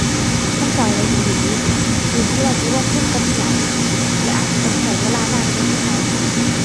มันช่วยได้อีหลี อยู่ที่ว่าสิลงทุนกับอิหยัง และอาจสิต้องช่วยเวลานานแหน่จักหน่อย